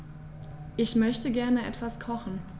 Ich möchte gerne etwas kochen.